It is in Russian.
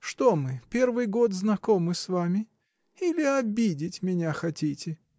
Что мы, первый год знакомы с вами?. Или обидеть меня хотите?.